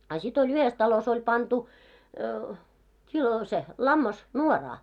a sitten oli yhdessä talossa oli pantu kilo se lammas nuoraan